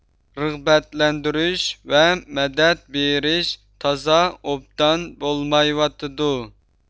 رىغبەتلەندۈرۈش ۋە مەدەت بىرىش تازا ئوبدان بولمايۋاتىدۇ